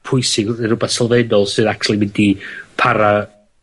pwysig w- ne' rwbath sylfaenol sydd actually mynd i para